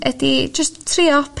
ydi jyst trio